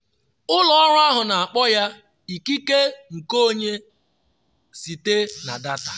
Ụlọ ọrụ ahụ na-akpọ ya “ikike nkeonwe site na data.”